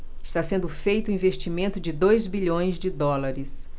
está sendo feito um investimento de dois bilhões de dólares